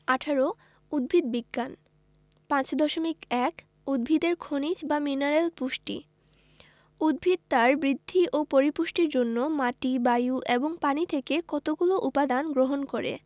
১৮ উদ্ভিদ বিজ্ঞান ৫.১ উদ্ভিদের খনিজ বা মিনারেল পুষ্টি উদ্ভিদ তার বৃদ্ধি ও পরিপুষ্টির জন্য মাটি বায়ু এবং পানি থেকে কতগুলো উপদান গ্রহণ করে